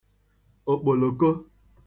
òkpòlòko